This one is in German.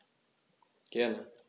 Gerne.